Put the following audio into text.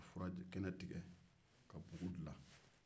ka fura kɛnɛ tigɛ ka bugu dila